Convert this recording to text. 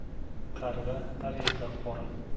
qarg'a har yerda qora